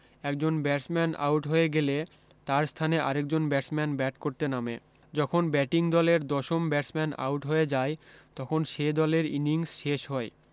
একজন batsman out হয়ে গেলে তার স্থানে আরেকজন ব্যাটসম্যান ব্যাট করতে নামে যখন ব্যাটিং দলের দশম ব্যাটসম্যান আউট হয়ে যায় তখন সে দলের ইনিংস শেষ হয়